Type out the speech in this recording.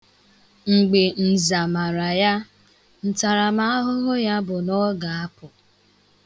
Mgbe nza mara ya, ntarama ahụhụ ya bụ na ọ ga-apụ.